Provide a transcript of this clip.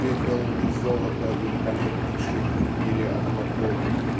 пепел и золото великолепнейших в мире облаков"